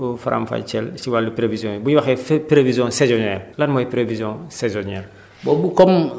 est ce que mun nga ñu faram-fàcceel si wàllu prévisions yi bu ñu waxee prévision saisonnière lan mooy prévision saisonnière